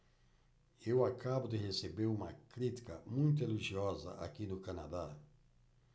eu acabo de receber uma crítica muito elogiosa aqui no canadá